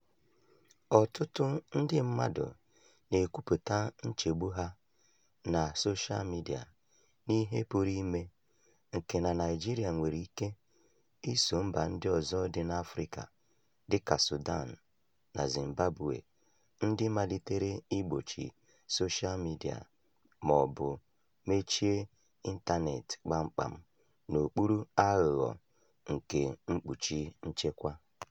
Ọtụtụ ndị mmadụ na-ekwupụta nchegbu ha na soshaa midịa n'ihe pụrụ ime nke na Naịjirịa nwere ike iso mba ndị ọzọ dị n'Afịrịka [dịka Sudan, Zimbabwe] ndị malitere igbochi soshaa midịa ma ọ bụ mechie ịntaneetị kpamkpam n'okpuru aghụghọ nke mkpuchi nchekwa.